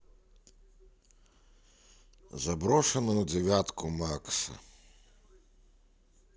заброшенную девятку макса